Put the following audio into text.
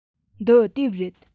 འདི དེབ རེད